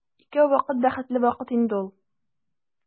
Икәү вакыт бәхетле вакыт инде ул.